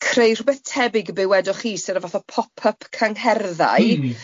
creu rhywbeth tebyg i be wedoch chi sydd yn y fath o pop-up cyngherddau... M-hm m-hm.